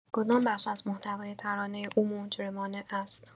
کدام بخش از محتوای ترانه او مجرمانه است؟